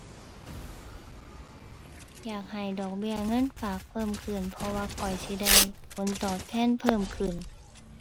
อยากให้ดอกเบี้ยเงินฝากเพิ่มขึ้น เพราะว่าข้อยสิได้ผลตอบแทนเพิ่มขึ้น